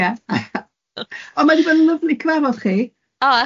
Ia, ond ma' 'di bod yn lyfli cyfarfod chi.